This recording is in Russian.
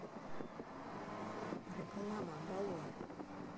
реклама долой